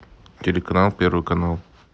телеканал первый канал